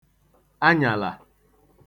anyala